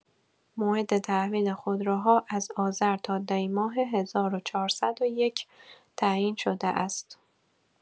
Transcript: موعد تحویل خودروها از آذر تا دی‌ماه ۱۴۰۱ تعیین شده است.